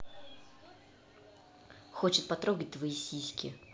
хочет потрогать твои сиськи